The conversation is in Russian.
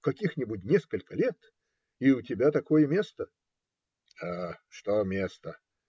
Каких-нибудь несколько лет - и у тебя такое место. - Что место!